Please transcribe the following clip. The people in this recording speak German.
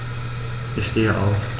Ich stehe auf.